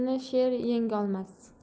erni sher yengolmas